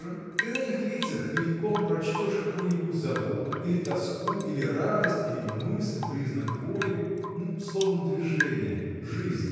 — Ты на их лицах мельком прочтешь какую-нибудь заботу, или тоску, или радость, или мысль, признак воли — ну, словом, движение, жизнь.